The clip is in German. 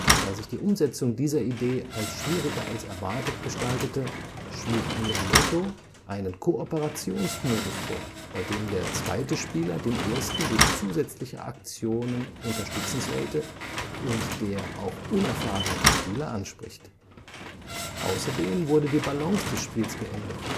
Da sich die Umsetzung dieser Idee als schwieriger als erwartet gestaltete, schlug Miyamoto einen Kooperationsmodus vor, bei dem der zweite Spieler den ersten durch zusätzliche Aktionen unterstützen sollte und der auch unerfahrene Spieler anspricht. Außerdem wurde die Balance des Spiels geändert